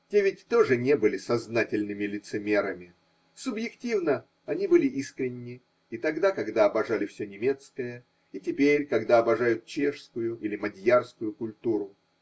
Те ведь тоже не были сознательными лицемерами, субъективно они были искренни и тогда, когда обожали все немецкое, и теперь, когда обожают чешскую или мадьярскую культуру.